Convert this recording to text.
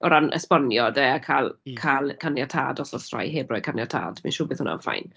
O ran esbonio de, a cael... m-hm. ...cael caniatâd os oes rhai heb roi caniatâd, fi'n siŵr bydd hwnna'n fine.